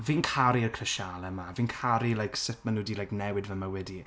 Fi'n caru'r crisialau 'ma, fi'n caru like sut maen nhw 'di like newid fy mywyd i.